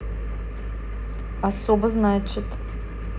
особо значит